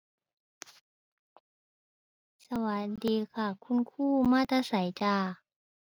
สวัสดีค่ะคุณครูมาแต่ไสจ้า